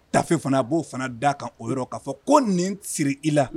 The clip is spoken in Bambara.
Tafe fana a bo fana da kan o yɔrɔ. kaa fɔ ko nin siri i la.